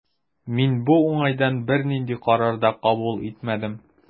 Мин бу уңайдан бернинди карар да кабул итмәдем.